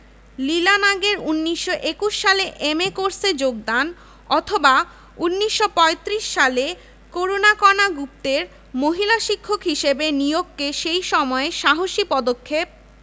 ১৯৯৪ সালে জাতীয় বিশ্ববিদ্যালয় প্রতিষ্ঠার এক ঘোষণাবলে ঢাকা বিশ্ববিদ্যালয়সহ অন্যান্য বিশ্ববিদ্যালয়ের অধিভুক্ত কলেজসমূহ